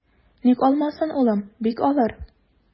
Ник алмасын, улым, бик алыр.